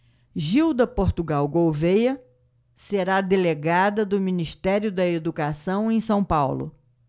gilda portugal gouvêa será delegada do ministério da educação em são paulo